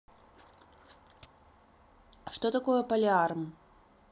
что такое полиарм